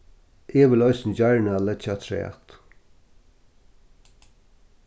eg vil eisini gjarna leggja afturat